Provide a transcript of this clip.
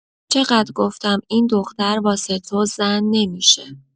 چقد گفتم این دختر واسه تو زن نمی‌شه.